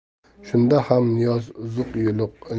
shunda ham niyoz uzuq yuluq